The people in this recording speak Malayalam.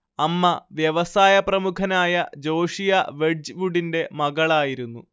അമ്മ വ്യവസായപ്രമുഖനായ ജോഷിയാ വെഡ്ജ്‌വുഡിന്റെ മകളായിരുന്നു